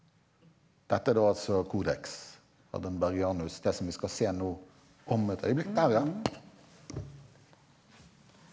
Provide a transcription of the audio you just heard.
dette er da altså Codex Hardenbergianus det som vi skal se nå om et øyeblikk der ja.